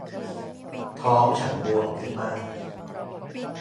ท้องฉันบวมขึ้นมาก